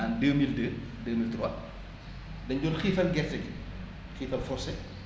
en deux mille deux deux mille trois dañ doon xiifal gerte gi xiifal forcé